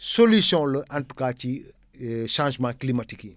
solution la en tout cas ci changements climatiques yi